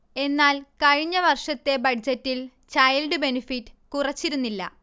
എന്നാൽ കഴിഞ്ഞ വർഷത്തെ ബഡ്ജറ്റിൽ ചൈൽഡ് ബെനഫിറ്റ് കുറച്ചിരുന്നില്ല